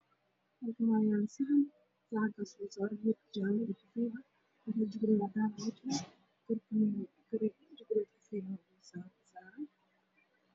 Meeshaan waxaa saaran doorasho midabkeedu waa jaalle waxaa kor ka saaran wax madow